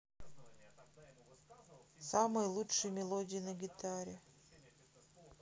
самые лучшие мелодии на гитаре